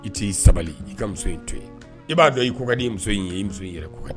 I t'i sabali i ka muso in to i b'a dɔn i ka muso in ye i muso in yɛrɛ ye